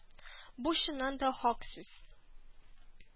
Бу, чыннан да, хак сүз